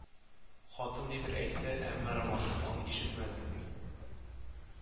Хатын нидер әйтте, әмма Ромашов аны ишетмәде